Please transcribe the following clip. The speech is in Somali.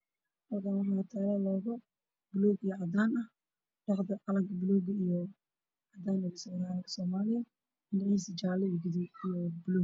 Halkaan waxaa taalo loogo buluug iyo cadaan ah dhexda calanka buluug oo soomaaliya oga sawiran magaciisa jaale iyo gaduud ah.